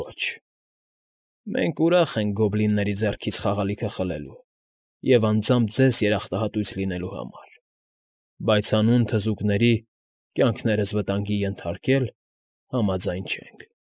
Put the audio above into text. Ոչ… Մենք ուրախ ենք գոբլինների ձեռքից խաղալիքը խլելու և անձամբ ձեզ երախտահայտույց լինելու համար, բայց հանուն թզուկների կյանքներս վտանգի ենթարկել՝ համաձայն չենք։ ֊